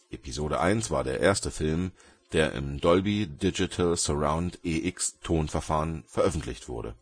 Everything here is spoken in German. Episode I war der erste Film der im Dolby Digital Surround EX Tonverfahren veröffentlicht wurde